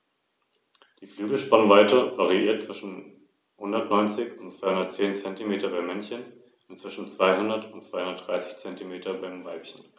Rom wurde damit zur ‚De-Facto-Vormacht‘ im östlichen Mittelmeerraum.